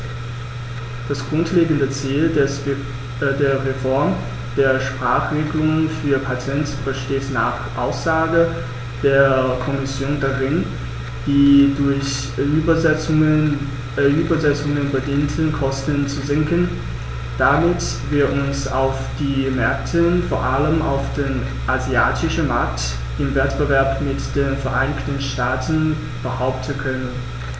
Das grundlegende Ziel der Reform der Sprachenregelung für Patente besteht nach Aussage der Kommission darin, die durch Übersetzungen bedingten Kosten zu senken, damit wir uns auf den Märkten, vor allem auf dem asiatischen Markt, im Wettbewerb mit den Vereinigten Staaten behaupten können.